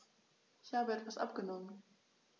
Ich habe etwas abgenommen.